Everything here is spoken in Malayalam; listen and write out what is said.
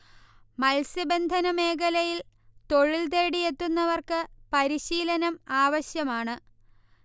മത്സ്യബന്ധന മേഖലയിൽ തൊഴിൽതേടി എത്തുന്നവർക്ക് പരിശീലനം ആവശ്യമാണ്